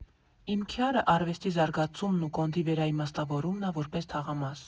Իմ քյարը արվեստի զարգացումն ու Կոնդի վերաիմաստավորումն ա որպես թաղամաս։